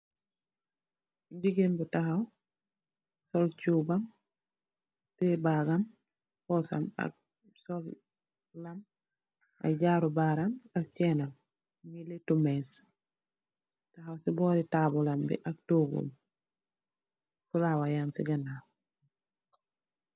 Gigeen bu takhaw sul chubam teyeh bagam purse sam ak sul jarruh baram ak chain munge letuh mess si bori tabulam bi togum yi flower bang si ganaw